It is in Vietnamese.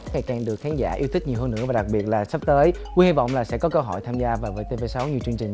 ngày càng được khán giả yêu thích nhiều hơn nữa và đặc biệt là sắp tới huy hy vọng là sẽ có cơ hội tham gia vào vê tê vê sáu nhiều chương trình